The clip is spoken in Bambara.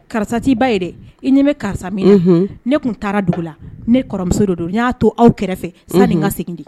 Karisa' i ba ye dɛ i ɲɛ mɛn karisa min ne tun taara dugu la ne kɔrɔmuso don n y'a to aw kɛrɛfɛ san ni ka segin di